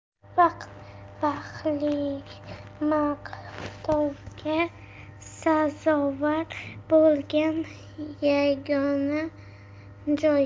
vaqt baxillik maqtovga sazovor bo'lgan yagona joy